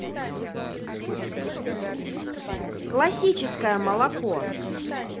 классическое молоко